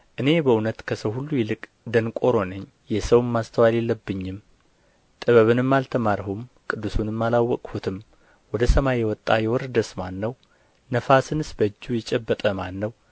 እኔ በእውነት ከሰው ሁሉ ይልቅ ደንቆሮ ነኝ የሰውም ማስተዋል የለብኛም ጥበብንም አልተማርሁም ቅዱሱንም አላወቅሁትም ወደ ሰማይ የወጣ የወረደስ ማን ነው ነፋስንስ በእጁ የጨበጠ ማን ነው